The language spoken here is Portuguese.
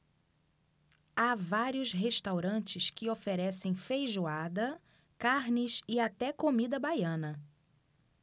há vários restaurantes que oferecem feijoada carnes e até comida baiana